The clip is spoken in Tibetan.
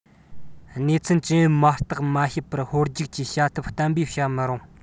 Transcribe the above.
གནས ཚུལ ཇི ཡིན མ བརྟགས མ དཔྱད པར ཧོལ རྒྱུགས ཀྱིས བྱ ཐབས གཏན འབེབས བྱེད མི རུང